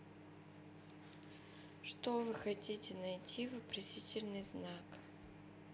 что вы хотите найти вопросительный знак